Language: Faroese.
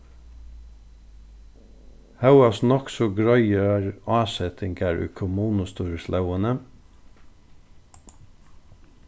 hóast nokk so greiðar ásetingar í kommunustýrislógini